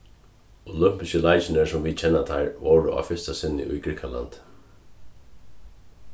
olympisku leikirnir sum vit kenna teir vóru á fyrstu sinni í grikkalandi